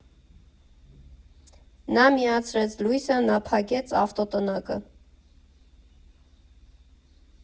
«Նա միացրեց լույսը, նա փակեց ավտոտնակը».